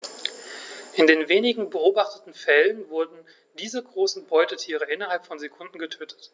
In den wenigen beobachteten Fällen wurden diese großen Beutetiere innerhalb von Sekunden getötet.